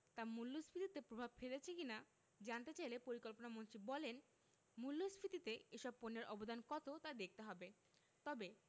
তা মূল্যস্ফীতিতে প্রভাব ফেলেছে কি না জানতে চাইলে পরিকল্পনামন্ত্রী বলেন মূল্যস্ফীতিতে এসব পণ্যের অবদান কত তা দেখতে হবে তবে